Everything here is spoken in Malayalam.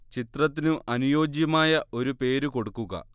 ചിത്രത്തിനു അനുയോജ്യമായ ഒരു പേരു കൊടുക്കുക